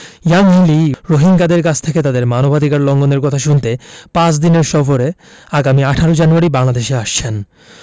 Yanghee Lee রোহিঙ্গাদের কাছ থেকে তাদের মানবাধিকার লঙ্ঘনের কথা শুনতে পাঁচ দিনের সফরে আগামী ১৮ জানুয়ারি বাংলাদেশে আসছেন